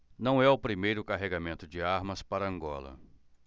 não é o primeiro carregamento de armas para angola